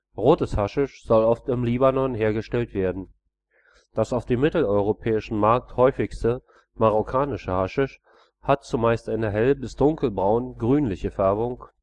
Rotes Haschisch soll oft im Libanon hergestellt werden. Das auf dem mitteleuropäischen Markt häufigste marokkanische Haschisch hat zumeist eine hell - bis dunkelbraun-grünliche Färbung